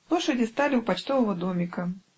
Лошади стали у почтового домика.